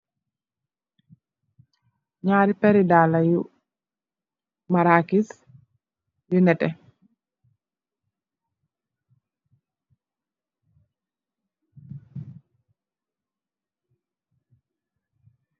Nyarri perri dalluh marakis bu neteh.